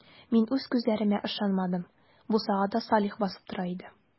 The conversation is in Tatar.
Мин үз күзләремә ышанмадым - бусагада Салих басып тора иде.